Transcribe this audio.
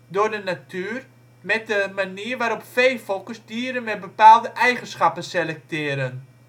door de natuur met de manier waarop veefokkers dieren met bepaalde eigenschappen selecteren